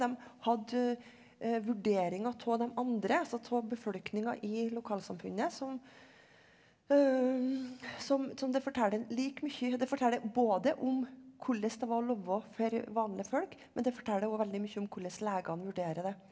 dem hadde vurderinger av de andre altså av befolkninga i lokalsamfunnet som som som det forteller like mye det forteller både om hvordan det var å leve for vanlige folk men det forteller óg veldig mye om hvordan legene vurderer det.